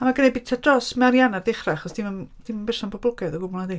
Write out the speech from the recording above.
A mae gen i biti dros Marianne ar dechrau, achos 'di- 'di'm yn berson poblogaidd o gwbl nacdi?